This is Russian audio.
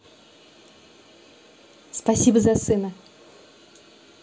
спасибо за сына